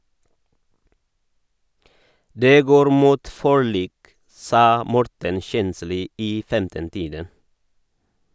- Det går mot forlik, sa Morten Kjensli i 15-tiden.